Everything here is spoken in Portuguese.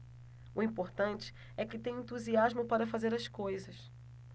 o importante é que tenho entusiasmo para fazer as coisas